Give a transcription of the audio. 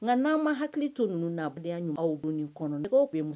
Nka n'an ma hakili to ninnu naya ɲuman dun nin kɔnɔ bɛ